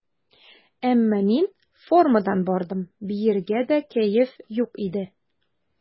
Әмма мин формадан бардым, биергә дә кәеф юк иде.